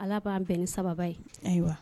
Ala b'an bɛn ni saba ye ayiwa